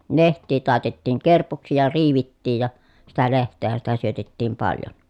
lehtiä taitettiin kerpuksi ja riivittiin ja sitä lehteähän sitä syötettiin paljon